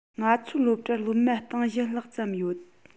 ང ཚོའི སློབ གྲྭར སློབ མ ༤༠༠༠ ལྷག ཙམ ཡོད